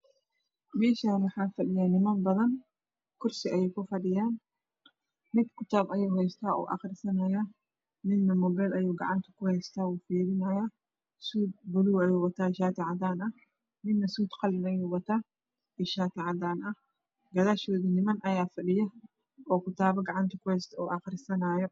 Meeshaan waxaa fadhiyo niman badan kursi ayay kufadhiyaan. Mid kitaab ayuu heystaa oo aqrisanayaa midna muubeel ayuu gacanta kuheystaa oo uu firinahayaa. Suud madow iyo shaati cadaan ah ayuu wataa. Midna suud qalin ah iyo shaati cadaan ah. Gadaashooda niman ayaa fadhiyo oo kitaabo heysto.